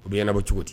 O bɛ ye ɲɛnabɔ cogo di